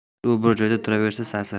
suv bir joyda turaversa sasir